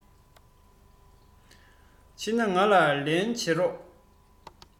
ཕྱིན ན ང ལ ལན བྱེད རོགས